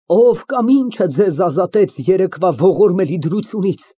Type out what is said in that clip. Ո՞վ կամ ի՞նչը ձեզ ազատեց երեկվա ողորմելի դրությունից։